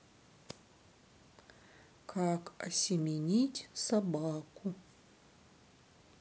как осеменить собаку